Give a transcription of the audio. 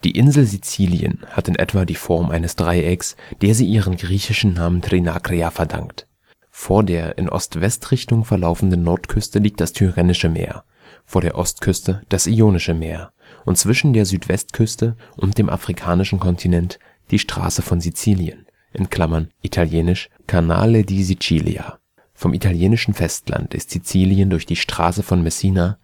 Insel Sizilien hat in etwa die Form eines Dreiecks, der sie ihren griechischen Namen Trinakria verdankt. Vor der in Ost-West-Richtung verlaufenden Nordküste liegt das Tyrrhenische Meer, vor der Ostküste das Ionische Meer und zwischen der Südwestküste und dem afrikanischen Kontinent die Straße von Sizilien (italienisch Canale di Sicilia). Vom italienischen Festland ist Sizilien durch die Straße von Messina